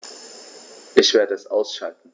Ich werde es ausschalten